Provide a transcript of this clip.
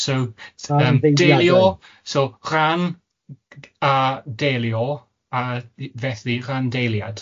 So yym deilio, so rhan a deilio a fethu rhandeiliad.